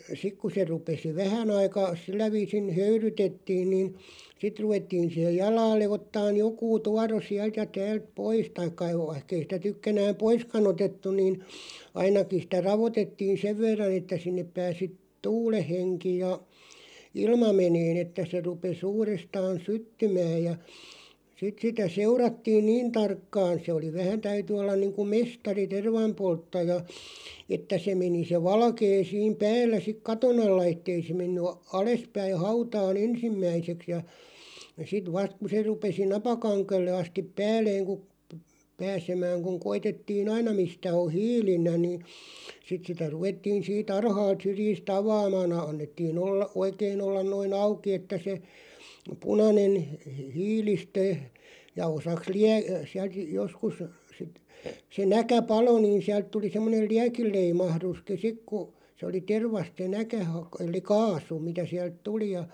sitten kun se rupesi vähän aika sillä viisin höyrytettiin niin sitten ruvettiin siihen jalalle ottamaan joku tuoro sieltä ja täältä pois tai ei vaikka ei sitä tykkänään poiskaan otettu niin ainakin sitä raotettiin sen verran että sinne pääsi tuulen henki ja ilma menemään että se rupesi uudestaan syttymään ja sitten sitä seurattiin niin tarkkaan se oli vähän täytyi olla niin kuin mestari tervanpolttaja että se meni se valkea siinä päällä sitten katon alla että ei se mennyt - alaspäin hautaan ensimmäiseksi ja sitten vasta kun se rupesi napakangelle asti päälleen kun - pääsemään kun koetettiin aina mistä on hiilillä niin sitten sitä ruvettiin siitä alhaalta syrjistä avaamaan - annettiin olla oikein olla noin auki että se punainen - hiilistö ja osaksi - sieltä joskus sitten se näkä paloi niin sieltä tuli semmoinen liekinleimahduskin sitten kun se oli tervasta se näkä - eli kaasu mitä sieltä tuli ja